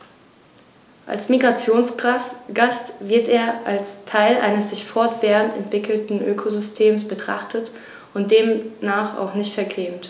Als Migrationsgast wird er als Teil eines sich fortwährend entwickelnden Ökosystems betrachtet und demnach auch nicht vergrämt.